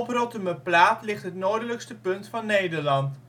Rottumerplaat ligt het noordelijkste punt van Nederland